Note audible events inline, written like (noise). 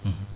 (hesitation) (hesitation)